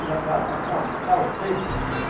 gặp gỡ cặp vợ chồng đầu tiên